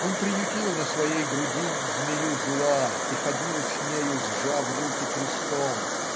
Он приютил на своей груди змею зла и ходил с нею, сжав руки крестом.